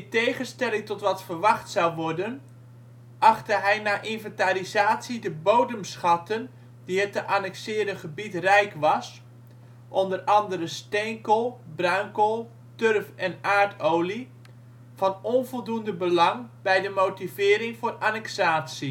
tegenstelling tot wat verwacht zou worden, achtte hij na inventarisatie de bodemschatten die het te annexeren gebied rijk was (onder andere steenkool, bruinkool, turf en aardolie) van onvoldoende belang bij de motivering voor annexatie